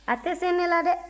a tɛ se ne la dɛ